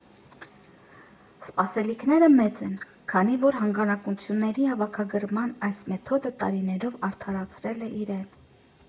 Սպասելիքները մեծ են, քանի որ հանգանակությունների հավաքագրման այս մեթոդը տարիներով արդարացրել է իրեն։